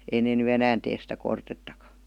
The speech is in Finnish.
ei ne nyt enää tee sitä kortettakaan